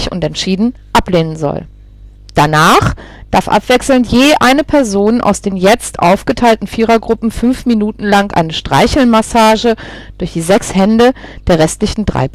und entschieden ablehnen soll. Danach darf abwechselnd je eine Person aus den jetzt aufgeteilten Vierergruppen fünf Minuten lang eine Streichel-Massage durch die sechs Hände der restlichen drei